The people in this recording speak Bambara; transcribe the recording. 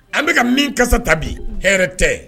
An bɛka min kasa ta bi hɛrɛ tɛ.